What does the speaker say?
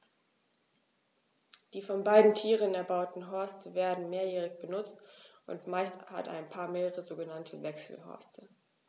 Die von beiden Tieren erbauten Horste werden mehrjährig benutzt, und meist hat ein Paar mehrere sogenannte Wechselhorste.